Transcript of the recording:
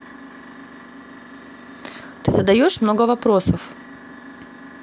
ты задаешь много вопросов